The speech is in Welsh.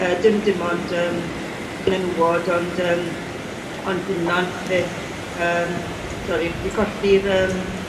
yy dim dim ond yym menwod ond yym ond dynon 'fyd. Yym sori, 'di colli'r yym...